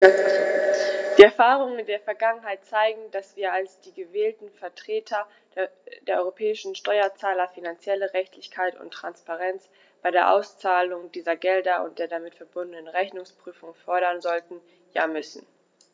Die Erfahrungen der Vergangenheit zeigen, dass wir als die gewählten Vertreter der europäischen Steuerzahler finanzielle Redlichkeit und Transparenz bei der Auszahlung dieser Gelder und der damit verbundenen Rechnungsprüfung fordern sollten, ja müssen.